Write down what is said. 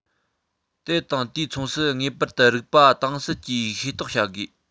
དེ དང དུས མཚུངས སུ ངེས པར དུ རིག པ དྭངས གསལ གྱིས ཤེས རྟོགས བྱ དགོས